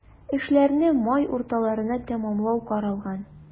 Эшләрне май урталарына тәмамлау каралган.